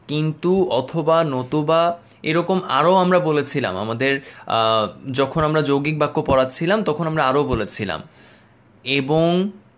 কিন্তু অথবা নতুবা এরকম আরো আমরা বলেছিলাম আমাদের যখন আমরা যৌগিক বাক্য পড়া ছিলাম তখন আমরা আরও বলেছিলাম এবং